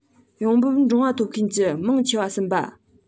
ཡོང འབབ འབྲིང བ ཐོབ མཁན གྱིས མང ཆེ བ ཟིན པ